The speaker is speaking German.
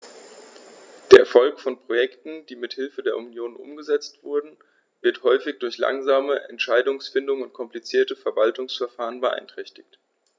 Der Erfolg von Projekten, die mit Hilfe der Union umgesetzt werden, wird häufig durch langsame Entscheidungsfindung und komplizierte Verwaltungsverfahren beeinträchtigt.